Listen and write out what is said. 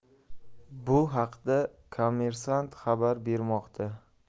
bu haqda kommersant xabar bermoqda